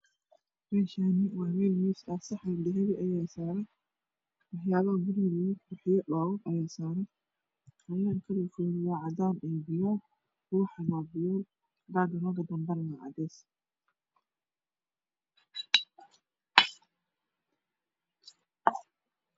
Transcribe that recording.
Waa miis saxan dahabi ah ayaa saaran waxyaabaha guriga lugu qurxiyo ayaa saaran kalarkoodu waa cadaan iyo fiyool. Ubaxna waa fiyool daagaroonka dambana waa cadeys.